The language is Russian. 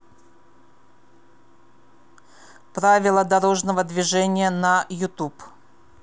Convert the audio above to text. правила дорожного движения на ютуб